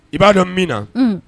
I b'a dɔn min na